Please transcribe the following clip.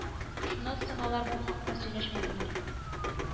Шуннан соң алар бу хакта сөйләшмәделәр